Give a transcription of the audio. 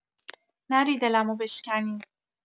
نری دلمو بشکنی